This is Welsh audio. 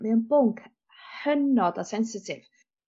...mae o'n bwnc hynod o sensatif.